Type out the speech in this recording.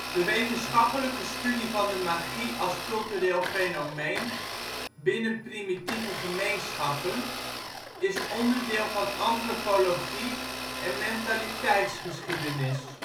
De wetenschappelijke studie van de magie als cultureel fenomeen binnen primitieve gemeenschappen is onderdeel van antropologie en mentaliteitsgeschiedenis